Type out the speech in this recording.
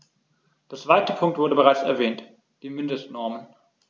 Der zweite Punkt wurde bereits erwähnt: die Mindestnormen.